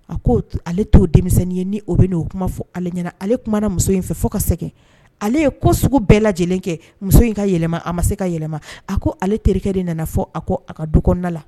A ko ale'o denmisɛnnin ye ni o bɛ n oo kuma fɔ ale ɲɛna ale tunumana muso in fɛ fo ka sɛgɛn ale ye ko sugu bɛɛ lajɛlen kɛ muso in ka yɛlɛma a ma se ka yɛlɛma a ko ale terikɛ de nana fɔ a ko a ka duk kɔnɔna la